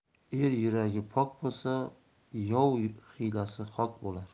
er yuragi pok bo'lsa yov hiylasi xok bo'lar